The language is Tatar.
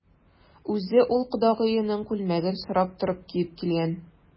Үзе ул кодагыеның күлмәген сорап торып киеп килгән.